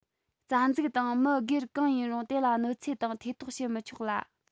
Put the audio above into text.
རྩ འཛུགས དང མི སྒེར གང ཡིན རུང དེ ལ གནོད འཚེ དང ཐེ གཏོགས བྱེད མི ཆོག ལ